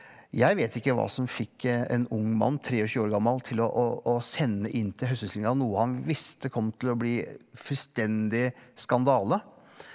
jeg vet ikke hva som fikk en ung mann 23 år gammal til å å å sende inn til høstutstillinga noe han visste kom til å bli fullstendig skandale.